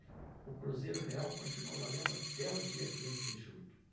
o cruzeiro real continua valendo até o dia quinze de julho